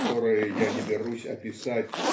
которое я не берусь описать